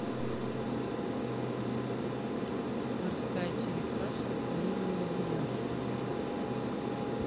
морская черепашка по имени юляшка